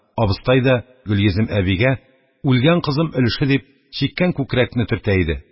Абыстай да гөлйөзем әбигә дә, «үлгән кызым өлеше» дип, чиккән күкрәкне төртә иде.